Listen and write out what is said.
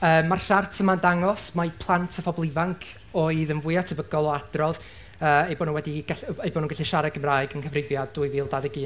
Yym ma'r siart yma'n dangos mai plant a phobl ifanc oedd yn fwya tebygol o adrodd yy eu bod nhw wedi gall-... yy eu bod nhw'n gallu siarad Cymraeg yng nghyfrifiad dwy fil dau ddeg un.